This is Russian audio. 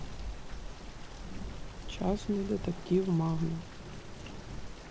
частный детектив магнум